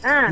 ah